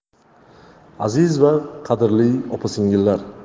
aziz va qadrli opa singillar